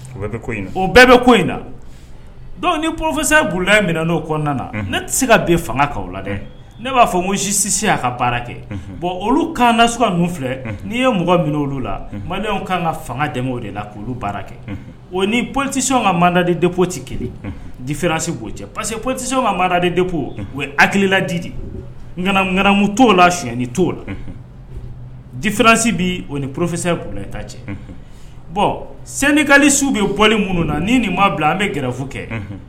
O bɛɛ bɛ in na dɔnku ni porokisɛ n'o kɔnɔna ne tɛ se ka fanga la dɛ ne b'a fɔ mun si si ka baara kɛ bɔn olu kan nas filɛ ni'i ye mɔgɔ minɛ olu la mali kan ka fanga dɛmɛ o de la k' baara kɛ o ni psi ka madadi debo tɛ kelenfiransi b'o cɛ parce quese psise ma madaden debo ye a hakililaji di n gmu to la sani t o la jifiransi bɛ o ni porokisɛyɛn bo ta cɛ bɔn saninikalisiw bɛ bɔli minnu na ni nin maa bila an bɛ gɛrɛfu kɛ